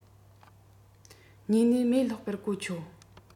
གཉིས ནས རྨོས སློག པར གོ ཆོད